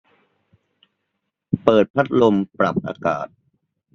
เปิดพัดลมปรับอากาศ